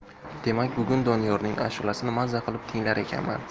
demak bugun doniyorning ashulasini maza qilib tinglar ekanman